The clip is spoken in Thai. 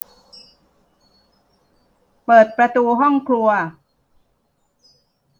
เปิดประตูห้องครัว